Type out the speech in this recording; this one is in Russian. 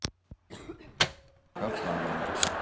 катана